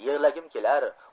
yig'lagim kelar